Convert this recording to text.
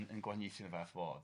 yn yn gwahaniaethu o'r fath fodd.